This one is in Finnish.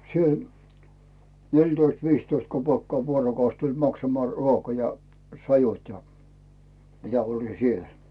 siellä neljätoista viisitoista kopeekkaa vuorokausi tuli maksamaan ruoka ja sajut ja ja mitä oli siellä